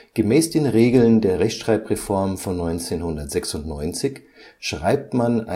Gemäß den Regeln der Rechtschreibreform von 1996 schreibt man